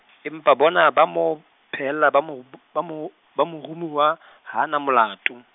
empa bona ba mo, phehella ba mo b-, ba mo, ba moromuwa , ha a na molato.